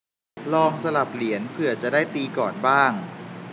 ลองสลับเหรียญเผื่อจะได้ตีก่อนบ้าง